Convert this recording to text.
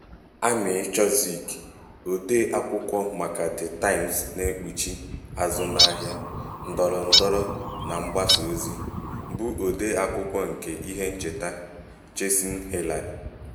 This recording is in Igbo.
Amy Chozick, ọdee akwụkwọ maka The Times na ekpuchi azụmahịa, ndọrọndọrọ na mgbasa ozi, bụ ọdee akwụkwọ nke ihe ncheta “Chasing Hillary.”